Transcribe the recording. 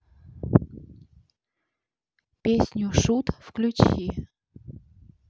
песню шут включи